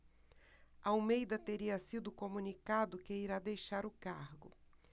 almeida teria sido comunicado que irá deixar o cargo